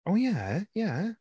O ie, ie.